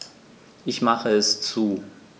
Ich mache es zu.